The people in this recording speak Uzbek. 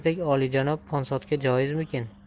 sizdek olijanob ponsodga joizmikan